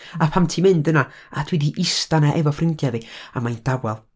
A pan ti'n mynd yna, a dwi 'di ista 'na efo ffrindiau fi. A mae'n dawel.